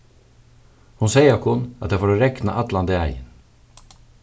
hon segði okkum at tað fór at regna allan dagin